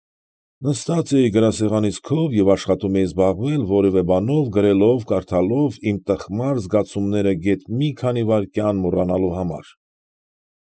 Նստած էի գրասեղանիս քով և աշխատում էի զբաղվել որևէ բանով, գրելով, կարդալով, իմ տխմար զգացումները գեթ մի քանի վայրկյան մոռանալու համար։